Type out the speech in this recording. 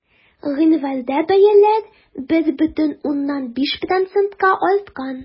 Гыйнварда бәяләр 1,5 процентка арткан.